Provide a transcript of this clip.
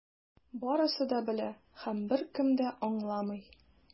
Барысы да белә - һәм беркем дә аңламый.